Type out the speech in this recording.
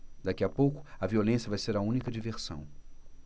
daqui a pouco a violência vai ser a única diversão